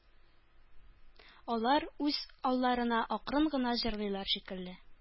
Алар үз алларына акрын гына җырлыйлар шикелле